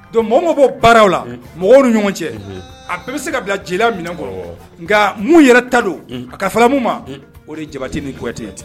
Don mɔ mɔgɔw ko baaraw la mɔgɔw ni ɲɔgɔn cɛ a bɛɛ bɛ se ka bila jeliya minɛ kɔrɔ nka mun yɛrɛ ta don a ka faramu ma o de jabati ni kuyate ten